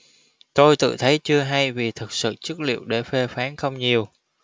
tôi tự thấy chưa hay vì thật sự chất liệu để phê phán không nhiều